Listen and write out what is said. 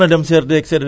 à partir de tay